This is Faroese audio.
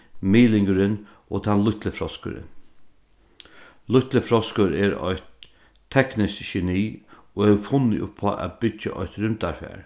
miðlingurin og tann lítli froskurin lítli froskur er eitt tekniskt geni og hevur funnið upp á at byggja eitt rúmdarfar